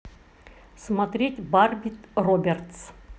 смотреть барби робертс